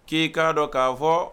K'i k'a dɔn k'a fɔ